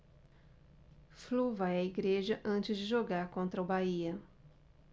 flu vai à igreja antes de jogar contra o bahia